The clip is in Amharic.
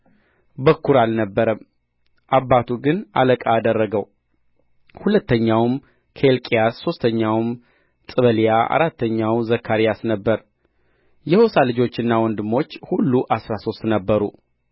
በኵር አልነበረም አባቱ ግን አለቃ አደረገው ሁለተኛውም ኬልቅያስ ሦስተኛው ጥበልያ አራተኛው ዘካርያስ ነበረ የሖሳ ልጆችና ወንድሞች ሁሉ አሥራ ሦስት ነበሩ